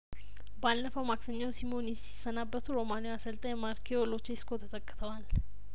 ባለፈው ማክሰኞ ሲሞኔ ሲሰናበቱ ሮማኒያዊው አሰልጣኝ ሚር ኬ ኦሉ ቼ ስኮ ተተክተዋል